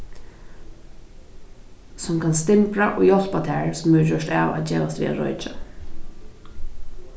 sum kann strimbra og hjálpa tær sum hevur gjørt av at gevast við at roykja